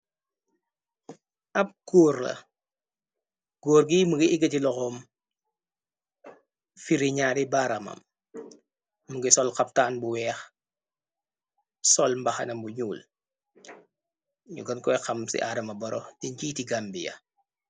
Ab góur la góor gi mungi iketi loxoom firi ñaari baaramam mongi sol xaftan bu weex sol mbaxanam bu ñuul ñu gan koy xam ci Adam Barrow d nyitti Gambia.